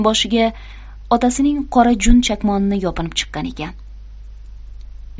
boshiga otasining qora jun chakmonini yopinib chiqqan ekan